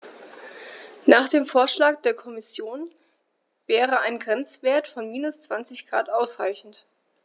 Nach dem Vorschlag der Kommission wäre ein Grenzwert von -20 ºC ausreichend.